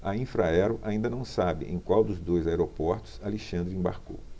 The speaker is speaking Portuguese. a infraero ainda não sabe em qual dos dois aeroportos alexandre embarcou